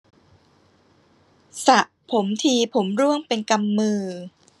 สระผมทีผมร่วงเป็นกำมือ